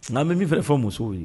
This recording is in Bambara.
N'an min b'i fɛ fɔ musow ye